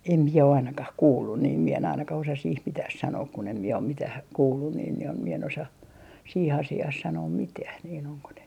en minä ainakaan kuullut niin minä en ainakaan osaa siihen mitään sanoa kun en minä ole mitään kuullut niin niin minä en osaa siihen asiaan sanoa mitään niin onko ne